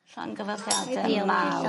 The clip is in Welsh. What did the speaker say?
Llongyfarchiadau mawr.